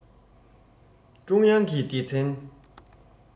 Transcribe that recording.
ཀྲུང དབྱང གི སྡེ ཚན